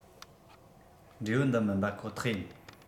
འབྲས བུ འདི མིན པ ཁོ ཐག ཡིན